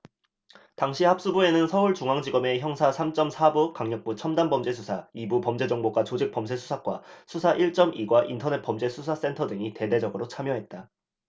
당시 합수부에는 서울중앙지검의 형사 삼 쩜 사 부 강력부 첨단범죄수사 이 부 범죄정보과 조직범죄수사과 수사 일 쩜 이 과 인터넷범죄수사센터 등이 대대적으로 참여했다